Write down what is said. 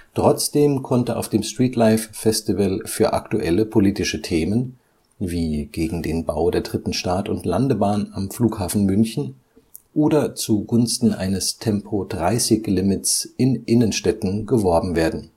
Trotzdem konnte auf dem Streetlife Festival für aktuelle politische Themen, wie gegen den Bau der dritten Start - und Landebahn am Flughafen München oder zu Gunsten eines Tempo-30-Limits in Innenstädten, geworben werden